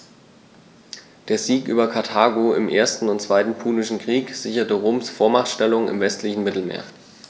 Der Sieg über Karthago im 1. und 2. Punischen Krieg sicherte Roms Vormachtstellung im westlichen Mittelmeer.